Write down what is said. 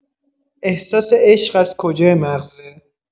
احساس عشق از کجای مغزه؟